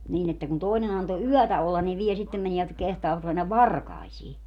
niin että kun toinen antoi yötä olla niin vielä sitten menivät ja kehtaavat mennä varkaisiin